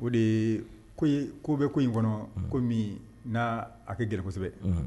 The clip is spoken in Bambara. O de ko ko bɛ ko in kɔnɔ ko min n'a a kɛ jeli kosɛbɛ